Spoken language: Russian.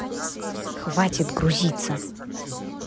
хватит грузится